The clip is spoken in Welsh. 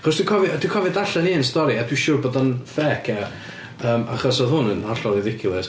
Achos dwi'n cofio... Dwi'n cofio darllen un stori, a dwi'n siŵr bod o'n fake ia yym achos odd hwn yn hollol ridiculous.